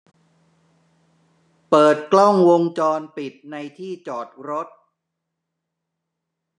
เปิดกล้องวงจรปิดในที่จอดรถ